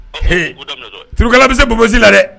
H turukalala bɛ se bonolisi la dɛ